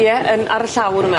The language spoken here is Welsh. Ie, yn ar y llawr yma.